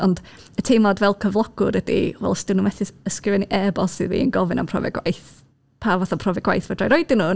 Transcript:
ond, y teimlad fel cyflogwr ydy, wel os 'dyn nhw methu ysgrifennu e-bost i fi yn gofyn am profiad gwaith, pa fath o profiad gwaith fedra i rhoid i nhw?